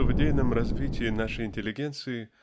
что в идейном развитии нашей интеллигенции